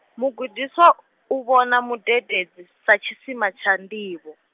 mugudiswa, u vhona mudededzi, sa tshisima tsha nḓivho.